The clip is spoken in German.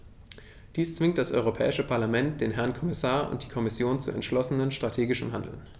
Dies zwingt das Europäische Parlament, den Herrn Kommissar und die Kommission zu entschlossenem strategischen Handeln.